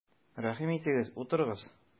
Рәхим итегез, утырыгыз!